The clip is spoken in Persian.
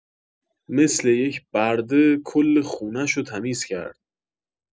مثل یه برده کل خونه‌شو تمیز کرد